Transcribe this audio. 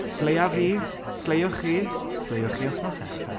Sleiaf fi, sleiwch chi, sleiwch chi wthnos nesa.